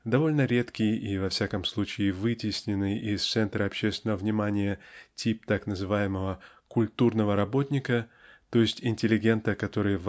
довольно редкий и во всяком случае вытесненный из центра общественного внимания тип так называемого "культурного работника" т. е. интеллигента который